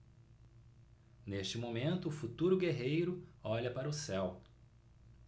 neste momento o futuro guerreiro olha para o céu